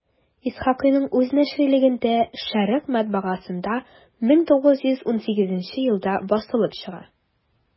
Исхакыйның үз наширлегендә «Шәрекъ» матбагасында 1918 елда басылып чыга.